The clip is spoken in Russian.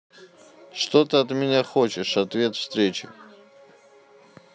что ты от меня хочешь ответ встречи